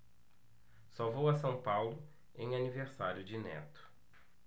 só vou a são paulo em aniversário de neto